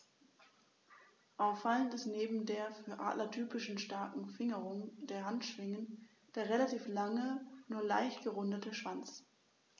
Auffallend ist neben der für Adler typischen starken Fingerung der Handschwingen der relativ lange, nur leicht gerundete Schwanz.